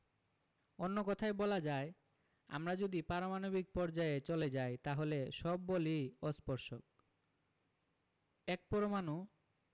অন্য কথায় বলা যায় আমরা যদি পারমাণবিক পর্যায়ে চলে যাই তাহলে সব বলই অস্পর্শক এক পরমাণু